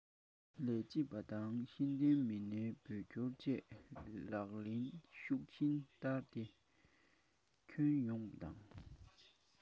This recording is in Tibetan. ལས བྱེད པ དང ཤེས ལྡན མི སྣའི བོད སྐྱོར བཅས ལག ལེན ཤུགས ཆེན བསྟར ཏེ ཁྱོན ཡོངས དང